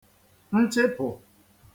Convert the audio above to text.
nchịpụ̀